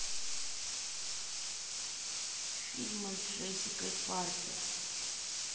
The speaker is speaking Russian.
фильмы с джессикой паркер